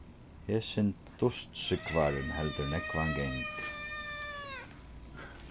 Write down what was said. hesin dustsúgvarin heldur nógvan gang